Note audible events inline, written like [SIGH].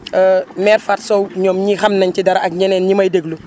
[HESITATION] mère Fatou Sow ñoom ñii xam nañ ci dara ak ñeneen ñi may déglu